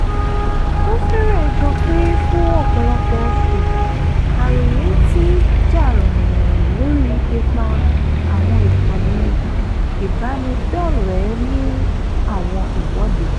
Ó fẹ́rẹ̀ jọ pé fún ọ̀pọ̀lọpọ̀ oṣù, àròyé ti ń jà ròhìnròhìn lórí ipa àwọn ìkànnì ìbánidọ́rẹ̀ẹ́ ní àwọn ìwọ́de.